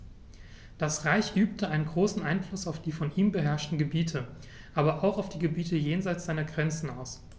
Das Reich übte einen großen Einfluss auf die von ihm beherrschten Gebiete, aber auch auf die Gebiete jenseits seiner Grenzen aus.